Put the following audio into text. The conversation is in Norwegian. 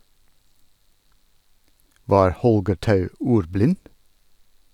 Var Holger Tou ordblind?